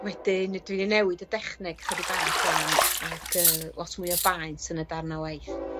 Wedyn dwi 'di newid y dechneg chydig bach 'wan yn ac yy lot mwy o baent yn y darna waith.